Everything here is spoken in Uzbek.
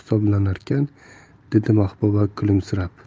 hisoblanarkan dedi mahbuba kulimsirab